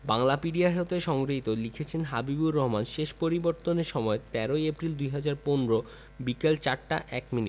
বাংলাপিডিয়া হতে সংগৃহীত লিখেছেন হাবিবুর রহমান শেষ পরিবর্তনের সময়ঃ১৩ এপ্রিল ২০১৫ বিকেল ৪টা ১ মিনিট